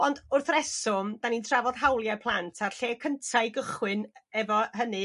ond wrth rheswm 'da ni'n trafod hawliau plant a'r lle cyntaf i gychwyn efo hynny